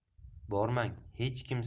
bormang hech kim